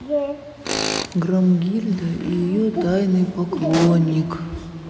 громгильда и ее тайный поклонник